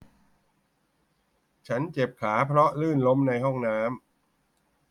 ฉันเจ็บขาเพราะลื่นล้มในห้องน้ำ